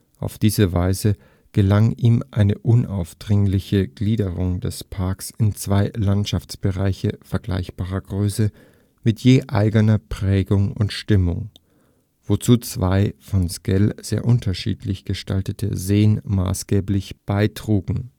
Auf diese Weise gelang ihm eine unaufdringliche Gliederung des Parks in zwei Landschaftsbereiche vergleichbarer Größe mit je eigener Prägung und Stimmung, wozu zwei von Sckell sehr unterschiedlich gestaltete Seen maßgeblich beitrugen